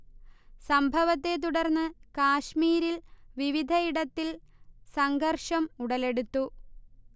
സംഭവത്തെ തുർന്ന് കാശ്മീരിൽ വിവിധ ഇടത്തിൽ സംഘർഷം ഉടലെടുത്തു